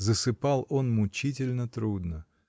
Засыпал он мучительно, трудно.